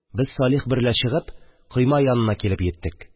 Без Салих берлә чыгып, койма янына килеп йиттек